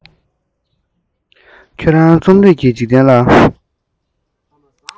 ཁྱོད རང རྩོམ རིག གི འཇིག རྟེན ལ